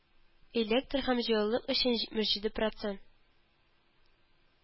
Электр һәм җылылык өчен җитмеш җиде процент